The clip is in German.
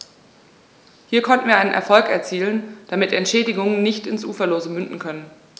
Hier konnten wir einen Erfolg erzielen, damit Entschädigungen nicht ins Uferlose münden können.